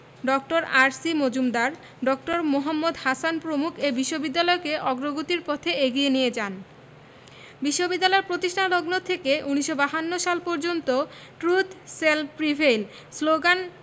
ড. R C Majumdar Dr. Mohammad Hasan প্রমুখ এ বিশ্ববিদ্যালয়কে অগ্রগতির পথে এগিয়ে নিয়ে যান বিশ্ববিদ্যালয় এর প্রতিষ্ঠালগ্ন থেকে ১৯৫২ সাল পর্যন্ত ট্রুত শেল প্রিভেইল শ্লোগান